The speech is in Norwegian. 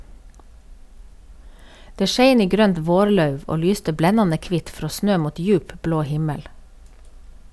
Det skein i grønt vårlauv og lyste blendande kvitt frå snø mot djup, blå himmel.